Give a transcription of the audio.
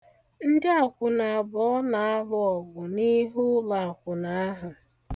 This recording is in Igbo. Ndị akwụna abụọ na-alụ ọgụ n'ihu ụlọakwụna ahụ.